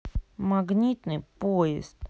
магнитный поезд